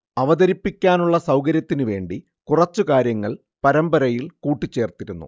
അവതരിപ്പിക്കാനുള്ള സൗകര്യത്തിനു വേണ്ടി കുറച്ച് കാര്യങ്ങൾ പരമ്പരയിൽ കൂട്ടിച്ചേർത്തിരുന്നു